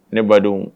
Ne badon